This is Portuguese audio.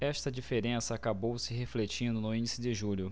esta diferença acabou se refletindo no índice de julho